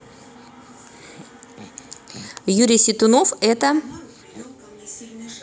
юрий сетунов это